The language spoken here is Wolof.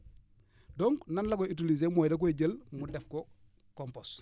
donc nan la koy utiliser mooy da koy jël mu def ko compost